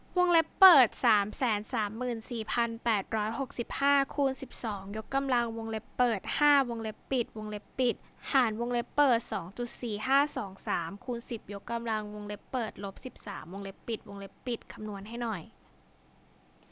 วงเล็บเปิดสามแสนสามหมื่นสี่พันแปดร้อยหกสิบห้าคูณสิบสองยกกำลังวงเล็บเปิดห้าวงเล็บปิดวงเล็บปิดหารวงเล็บเปิดสองจุดสี่ห้าสองสามคูณสิบยกกำลังวงเล็บเปิดลบสิบสามวงเล็บปิดวงเล็บปิดคำนวณให้หน่อย